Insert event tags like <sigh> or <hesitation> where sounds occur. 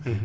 <hesitation> <hesitation>